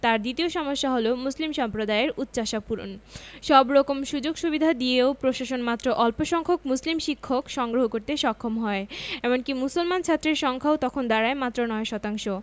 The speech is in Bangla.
তাঁর দ্বিতীয় সমস্যা হলো মুসলিম সম্প্রদায়ের উচ্চাশা পূরণ সব রকম সুযোগসুবিধা দিয়েও প্রশাসন মাত্র অল্পসংখ্যক মুসলিম শিক্ষক সংগ্রহ করতে সক্ষম হয় এমনকি মুসলমান ছাত্রের সংখ্যাও তখন দাঁড়ায় মাত্র ৯ শতাংশ